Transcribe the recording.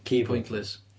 Ci Pointless.